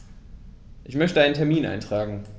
Ich möchte einen Termin eintragen.